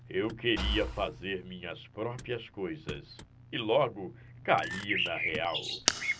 eu queria fazer minhas próprias coisas e logo caí na real